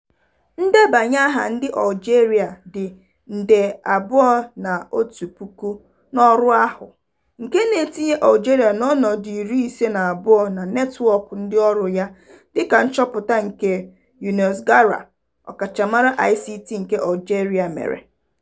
Ndebanye aha ndị Algerịa dị nde 2.1 n'ọrụ ahụ, nke na-etinye Algeria n'ọnọdụ 52 na netwọk ndịọrụ ya, dịka nchọpụta nke Younes Grar, ọkachamara ICT nke Algerịa mere.